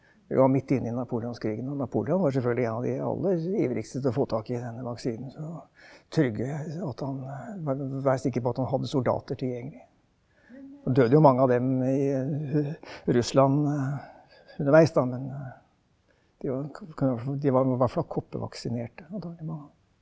vi var midt inne i Napoleonskrigen og Napoleon var selvfølgelig en av de aller ivrigste til å få tak i denne vaksinen, så trygge at han være sikker på at han hadde soldater tilgjengelig døde jo mange av dem i Russland underveis da, men de var kan i hvert fall de var i hvert fall koppevaksinerte, antagelig mange av dem.